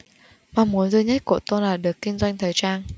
mong muốn duy nhất của tôi là được kinh doanh thời trang